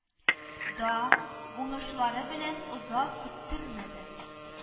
Да уңышлары белән озак көттермәде